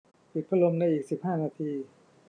ปิดพัดลมในอีกสิบห้านาที